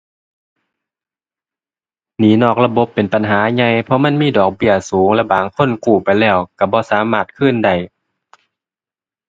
หนี้นอกระบบเป็นปัญหาใหญ่ เพราะมันมีดอกเบี้ยสูงและบางคนกู้ไปแล้วก็บ่สามารถคืนได้